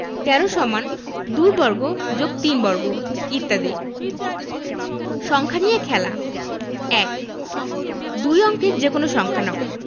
১৩ = ২ বর্গ + ৩ বর্গ ইত্যাদি সংখ্যা নিয়ে খেলা ১ দুই অঙ্কের যেকোনো সংখ্যা নাও